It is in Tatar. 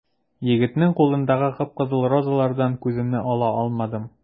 Егетнең кулындагы кып-кызыл розалардан күземне ала алмадым.